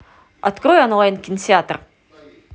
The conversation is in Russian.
открой онлайн кинотеатр